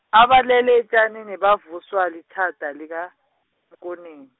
abalele etjanini, bavuswa litjhada likanamkoneni.